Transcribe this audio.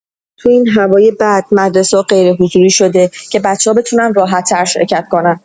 تو این هوای بد، مدرسه‌ها غیرحضوری شده که بچه‌ها بتونن راحت‌تر شرکت کنن.